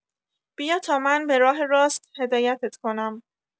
بیا تا من به راه راست هدایتت کنم.